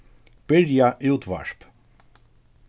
byrja útvarp